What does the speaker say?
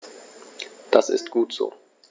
Das ist gut so.